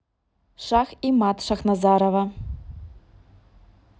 шах и мат шахназарова